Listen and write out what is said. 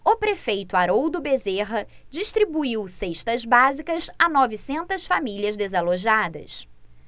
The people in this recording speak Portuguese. o prefeito haroldo bezerra distribuiu cestas básicas a novecentas famílias desalojadas